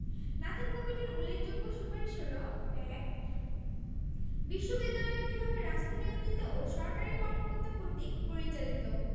Nathan কমিটির উল্লেখযোগ্য সুপারিশ হলো: ১. বিশ্ববিদ্যালয়টি হবে রাষ্ট্রনিয়ন্ত্রিত ও সরকারি কর্মকর্তা কর্তৃক পরিচালিত